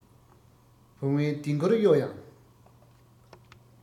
བུང བའི ལྡིང སྐོར གཡོ ཡང